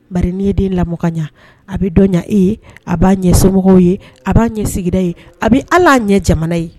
Ba' ye den lamɔkan ɲɛ a bɛ dɔnɲa e ye a b'a ɲɛ somɔgɔw ye a b'a ɲɛ sigirada ye a bɛ ala a ɲɛ jamana ye